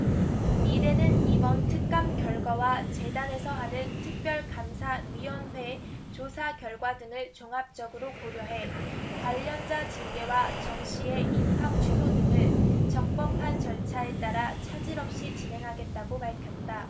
이대는 이번 특감 결과와 재단에서 하는 특별감사위원회 조사 결과 등을 종합적으로 고려해 관련자 징계와 정씨의 입학취소 등을 적법한 절차에 따라 차질 없이 진행하겠다고 밝혔다